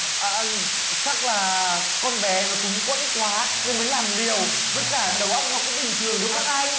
à à chắc là con bé nó túng quẫn quá nên mới làm liều với cả đầu óc nó cũng bình thường đâu các anh